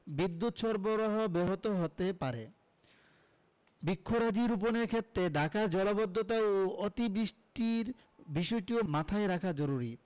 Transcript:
বিদ্যুত সরবরাহ ব্যাহত হতে পারে বৃক্ষরাজি রোপণের ক্ষেত্রে ঢাকার জলাবদ্ধতা ও অতি বৃষ্টির বিষয়টিও মাথায় রাখা জরুরী